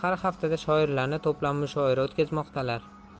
har haftada shoirlarni to'plab mushoira o'tkazmoqdalar